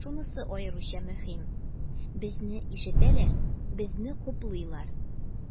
Шунысы аеруча мөһим, безне ишетәләр, безне хуплыйлар.